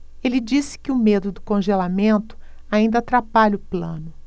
ele disse que o medo do congelamento ainda atrapalha o plano